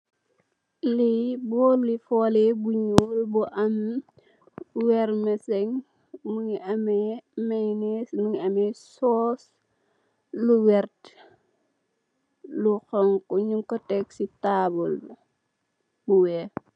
Lii boole foole bu ñuul wer messeng, mu ngi amee mayenees, mu ngi amee soos, lu werta, lu xoñxu, tek si taabul